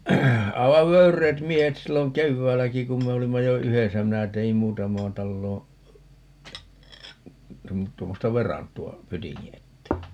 aivan vöyreät miehet silloin keväälläkin kun me olimme jo yhdessä minä tein muutamaan taloon - tuommoista verantoa pytingin eteen